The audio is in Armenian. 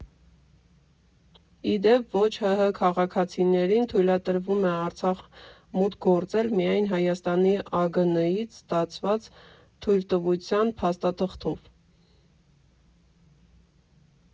Ի դեպ, ոչ ՀՀ քաղաքացիներին թույլատրվում է Արցախ մուտք գործել միայն Հայաստանի ԱԳՆ֊ից ստացված թույլտվության փաստաթղթով։